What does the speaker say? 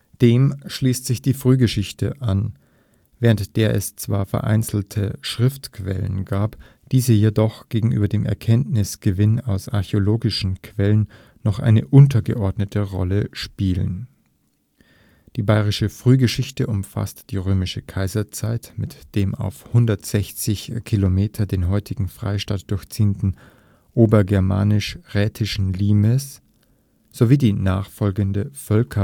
Dem schließt sich die Frühgeschichte an, während der es zwar vereinzelte Schriftquellen gibt, diese jedoch gegenüber dem Erkenntnisgewinn aus archäologischen Quellen noch eine untergeordnete Rolle spielen. Die bayerische Frühgeschichte umfasst die Römische Kaiserzeit mit dem auf 160 Kilometer den heutigen Freistaat durchziehenden Obergermanisch-Raetischen Limes sowie die nachfolgende Völkerwanderungszeit